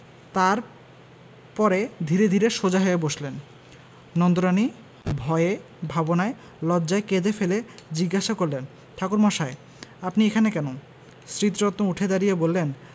তার পরে ধীরে ধীরে সোজা হয়ে বসলেন নন্দরানী ভয়ে ভাবনায় লজ্জায় কেঁদে ফেলে জিজ্ঞাসা করলেন ঠাকুরমশাই আপনি এখানে কেন স্মৃতিরত্ন উঠে দাঁড়িয়ে বললেন